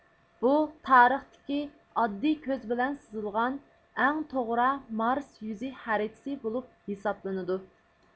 بۇ تارىختىكى ئاددىي كۆز بىلەن سىزىلغان ئەڭ توغرا مارس يۈزى خەرىتىسى بولۇپ ھېسابلىنىدۇ